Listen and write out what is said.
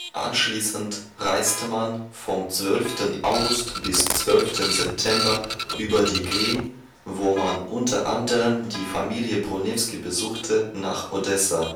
Anschließend reiste man vom 12. August bis 12. September über die Krim, wo man u.a. die Familie Bronewski besuchte, nach Odessa